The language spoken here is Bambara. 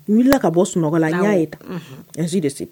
N'la ka bɔ sunɔgɔ la i y'a ye tan ɛ de tɛ tan